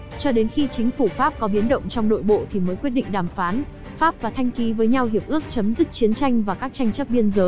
cho đến khi chính phủ pháp có biến động trong nội bộ thì mới quyết định đàm phán pháp và thanh ký với nhau hiệp ước chấm dứt chiến tranh và các tranh chấp biên giới